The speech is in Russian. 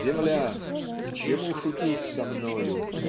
Земля, к чему шутить со мною